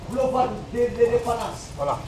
Lɔba den den fana